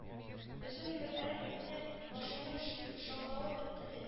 Озын мөбарәк әйтә башымның шаулавы бетте ди